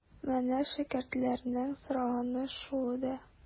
Менә шәкертләрнең сораганы шул иде.